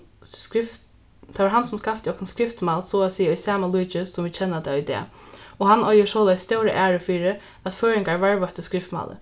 tað var hann sum skapti okkum skriftmál so at siga í sama líki sum vit kenna tað í dag og hann eigur soleiðis stóra æru fyri at føroyingar varðveittu skriftmálið